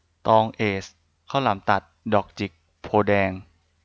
ตองเอซข้าวหลามตัดดอกจิกโพธิ์แดง